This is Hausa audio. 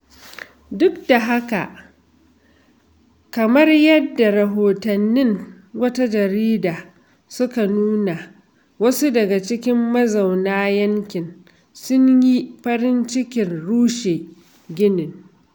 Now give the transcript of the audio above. Duk da haka, kamar yadda rahotannin wata jarida suka nuna, wasu daga cikin mazauna yankin sun yi farin cikin rushe ginin.